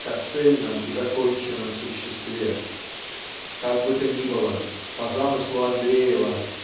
как о цельном и законченном существе. Как бы то ни было по замыслу Андреева